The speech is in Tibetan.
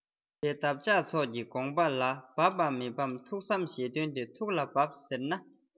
དེ འདབ ཆགས ཚོགས ཀྱི དགོངས པ ལ འབབ བམ མི འབབ ཐུགས བསམ བཞེས དོན དེ ཐུགས ལ བབས ཟེར ན